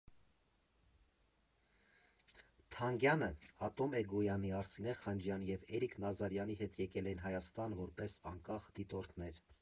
Թանգյանը՝ Ատոմ Էգոյանի, Արսինե Խանջյանի և Էրիկ Նազարյանի հետ եկել էին Հայաստան որպես անկախ դիտորդներ։